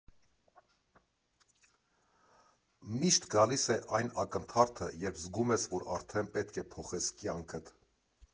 Միշտ գալիս է այն ակնթարթը, երբ զգում ես, որ արդեն պետք է փոխես կյանքդ։